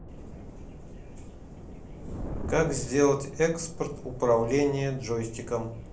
как сделать экспорт управление джойстиком